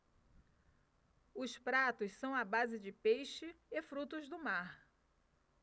os pratos são à base de peixe e frutos do mar